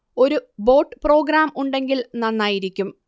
ഒരു bot program ഉണ്ടെങ്കിൽ നന്നായിരിക്കും